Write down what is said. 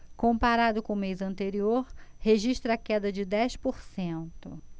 comparado com o mês anterior registra queda de dez por cento